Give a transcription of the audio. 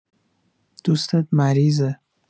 دوستت مریضه